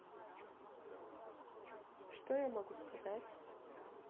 что я могу сказать